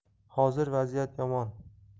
hozir vaziyat yomon